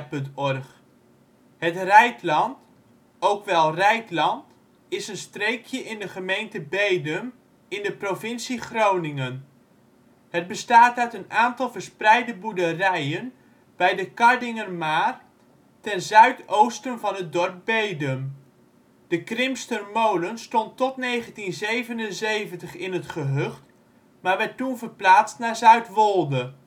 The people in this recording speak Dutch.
Het Reidland, ook wel Reidland, is een streekje in de gemeente Bedum in de provincie Groningen. Het bestaat uit een aantal verspreide boerderijen bij de Kardingermaar, ten zuidoosten van het dorp Bedum. De Krimstermolen stond tot 1977 in het gehucht, maar werd toen verplaatst naar Zuidwolde